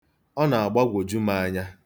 Ọ na-agbagwoju m anya.